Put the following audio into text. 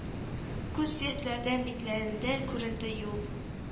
Күз яшьләрдән битләрендә күренде юл;